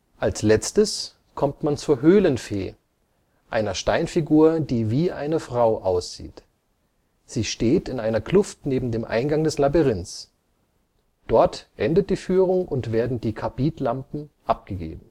Als Letztes kommt man zur Höhlenfee, einer Steinfigur, die wie eine Frau aussieht. Sie steht in einer Kluft neben dem Eingang des Labyrinths. Dort endet die Führung und werden die Karbidlampen abgegeben